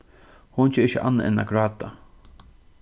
hon ger ikki annað enn at gráta